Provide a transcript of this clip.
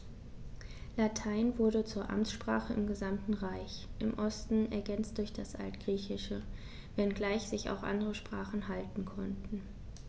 Latein wurde zur Amtssprache im gesamten Reich (im Osten ergänzt durch das Altgriechische), wenngleich sich auch andere Sprachen halten konnten.